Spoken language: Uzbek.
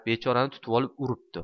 bechorani tutvolib uribdi